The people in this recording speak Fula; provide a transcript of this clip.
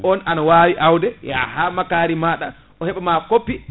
on ana wawi awde yaaha makkari maɗa o hebma koppi